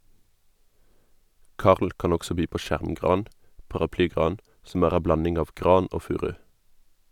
Karl kan også by på skjermgran (paraplygran), som er ei blanding av gran og furu.